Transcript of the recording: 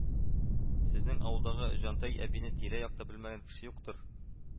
Сезнең авылдагы Җантай әбине тирә-якта белмәгән кеше юктыр